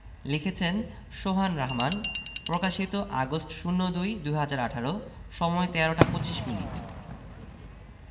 লিখেছেনঃ শোহান রাহমান প্রকাশিতঃ আগস্ট ০২ ২০১৮ সময়ঃ ১৩টা ২৫ মিনিট